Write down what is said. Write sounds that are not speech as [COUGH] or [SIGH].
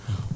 [HESITATION] [HESITATION]